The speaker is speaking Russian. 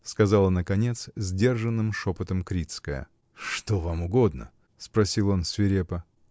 — сказала наконец сдержанным шепотом Крицкая. — Что вам угодно? — спросил он свирепо.